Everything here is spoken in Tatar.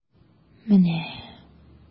Менә...